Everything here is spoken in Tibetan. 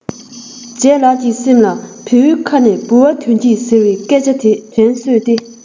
ལྗད ལགས ཀྱི སེམས ལ བེའུའི ཁ ནས ལྦུ བ འདོན གྱིས ཟེར བའི སྐད ཆ དེ དྲན གསོས ཏེ